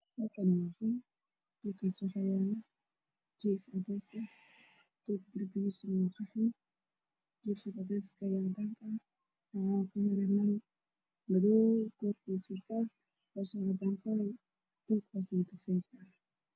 Halkaan waa qol waxaa yaalo jiif cadeys ah, darbiga waa qaxwi, sariirman kor madow hoos cadaan, dhulka hoose waa kafay.